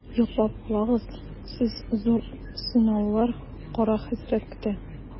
Йоклап калыгыз, сезне зур сынаулар, кара хәсрәт көтә.